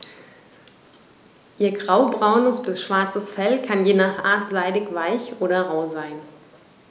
Ihr graubraunes bis schwarzes Fell kann je nach Art seidig-weich oder rau sein.